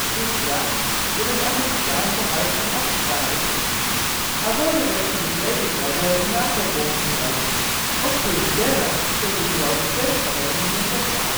toespraak in het Amerikaanse Huis van Afgevaardigden. Haar woorden wekten bevreemding bij de NAVO-bondgenoten. Ook Prins Bernhard verschilde hierover sterk van mening met zijn vrouw